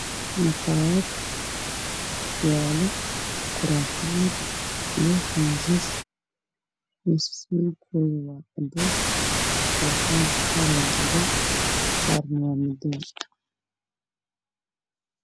Meeshaan waa maqaayad ay yaalaan kuraas iyo miisas